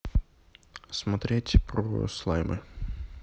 смотреть про слаймы